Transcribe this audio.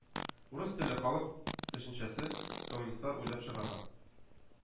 «урыс телле халык» төшенчәсе — коммунистлар уйлап чыгарган